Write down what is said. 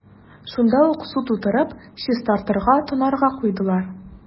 Шунда ук су тутырып, чистарырга – тонарга куйдылар.